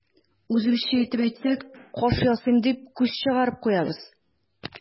Үзебезчә итеп әйтсәк, каш ясыйм дип, күз чыгарып куябыз.